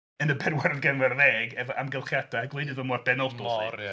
..yn y bedwaredd ganrif ddeg efo amgylchiadau gwleidyddol mor benodol 'lly.